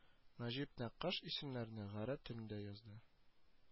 Нәҗип Нәккаш исемнәрне гарәп телендә язды